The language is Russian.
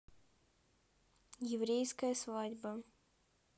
еврейская свадьба